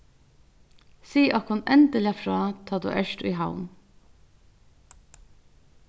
sig okkum endiliga frá tá tú ert í havn